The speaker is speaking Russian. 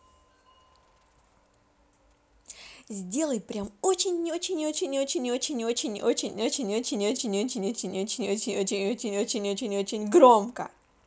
сделай прям очень очень очень очень очень очень очень очень очень очень очень очень очень очень очень очень очень очень очень очень громко